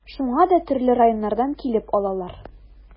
Шуңа да төрле районнардан килеп алалар.